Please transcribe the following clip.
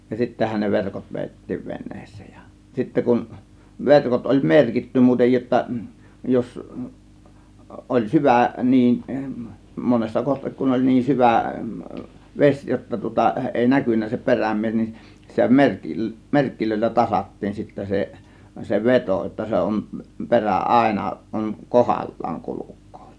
ja sittenhän ne verkot vedettiin veneeseen ja sitten kun verkot oli merkitty muuten jotta jos oli syvä niin monessa kohti kun oli niin syvä vesi jotta tuota ei näkynyt se perämies niin sitä - merkeillä tasattiin sitten se se veto jotta se on perä aina on kohdallaan kulkee